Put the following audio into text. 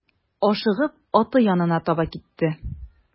Ашыгып аты янына таба китте.